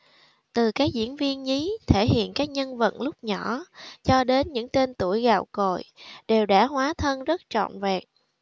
từ các diễn viên nhí thể hiện các nhân vật lúc nhỏ cho đến những tên tuổi gạo cội đều đã hóa thân rất trọn vẹn